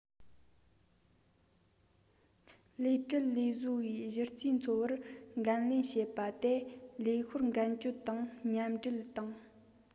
ལས བྲལ ལས བཟོ པའི གཞི རྩའི འཚོ བར འགན ལེན བྱེད པ དེ ལས ཤོར འགན བཅོལ དང མཉམ སྒྲིལ བཏང